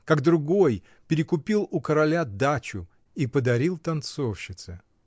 как другой перекупил у короля дачу и подарил танцовщице.